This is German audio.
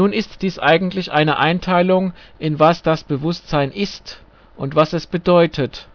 ist dies eigentlich eine Einteilung in was das Bewusstsein ist und was es bedeutet